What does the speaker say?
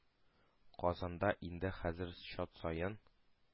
Казанда инде хәзер чат саен